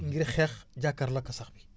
ngir xeex jàkkaarloo ak sax bi